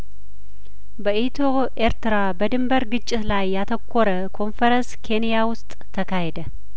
በኢትዪ ኤርትራ በድንበር ግጭት ላይ ያተኮረ ኮንፍረንስ ኬንያ ውስጥ ተካሄደ